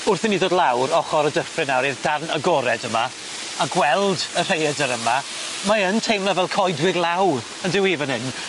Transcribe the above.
Wrth i ni ddod lawr ochor y dyffryn nawr i'r darn agored yma a gweld y rhaeadyr yma mae yn teimlo fel coedwig law yndyw i fyn 'yn?